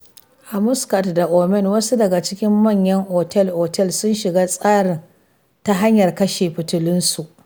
A Muscat da Omen, wasu daga cikin manyan otel-otel sun shiga tsarin ta hanyar kashe fitulunsu.